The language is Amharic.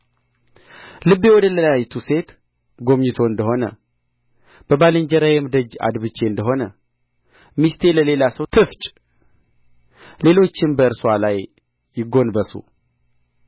ልቤ ወደ ሌላይቱ ሴት ጐምጅቶ እንደ ሆነ በባልንጀራዬም ደጅ አድብቼ እንደ ሆነ ሚስቴ ለሌላ ሰው ትፍጭ ሌሎችም በእርስዋ ላይ ይጐንበሱ